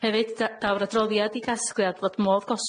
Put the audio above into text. Hefyd da- daw'r adroddiad i gasgliad fod modd gosod